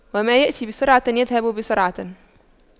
ما يأتي بسرعة يذهب بسرعة